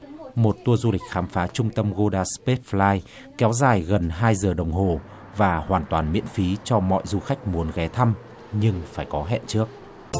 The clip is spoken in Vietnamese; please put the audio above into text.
một tua du lịch khám phá trung tâm gô đa sờ pết phờ lai kéo dài gần hai giờ đồng hồ và hoàn toàn miễn phí cho mọi du khách muốn ghé thăm nhưng phải có hẹn trước